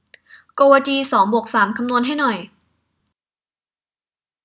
โกวาจีสองบวกสามคำนวณให้หน่อย